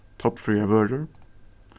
tollfríar vørur